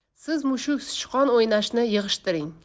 siz mushuk sichqon o'ynashni yig'ishtiring